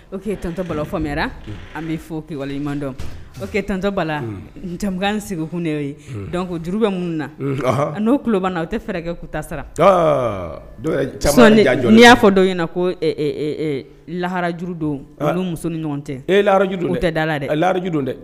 O' ye ttɔ bala fɔmmera an bɛ fɔwahiɲuman dɔn o ke tantɔ bala jamakan in sigikunɛ'o ye dɔnkuc juru bɛ minnu na a n'o tuloba u tɛ fɛɛrɛkɛ kuta sara'i y'a dɔw yen ɲɛna na ko laharaj don muso ni ɲɔgɔn tɛ e laharojdu tɛ da dɛ lahajdon dɛ